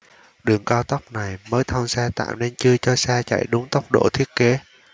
đường cao tốc này mới thông xe tạm nên chưa cho xe chạy đúng tốc độ thiết kế